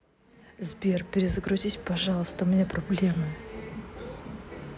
сбер перезагрузись пожалуйста мне проблемы